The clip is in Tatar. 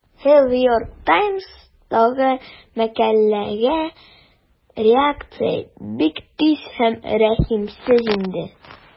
New York Times'тагы мәкаләгә реакция бик тиз һәм рәхимсез иде.